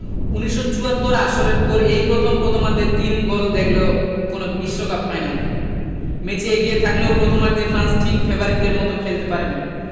১৯৭৪ আসরের পর এই প্রথম প্রথমার্ধে তিন গোল দেখল কোনো বিশ্বকাপ ফাইনাল ম্যাচে এগিয়ে থাকলেও প্রথমার্ধে ফ্রান্স ঠিক ফেভারিটদের মতো খেলতে পারেনি